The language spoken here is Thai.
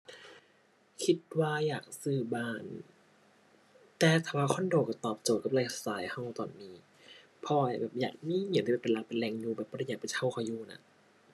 คิดว่าอยากซื้อบ้าน แต่ถ้าว่าคอนโดก็ตอบโจทย์กับไลฟ์สไตล์ก็ตอนนี้ เพราะว่า อยากมี อยากได้ไว้เป็นหลักเป็นแหล่งอยู่ แบบบ่ได้อยากไปเช่าเขาอยู่น่ะ